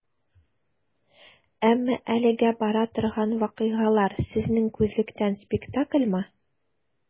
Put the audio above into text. Әмма әлегә бара торган вакыйгалар, сезнең күзлектән, спектакльмы?